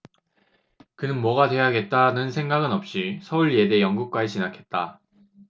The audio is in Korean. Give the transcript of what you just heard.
그는 뭐가 돼야겠다는 생각 없이 서울예대 연극과에 진학했다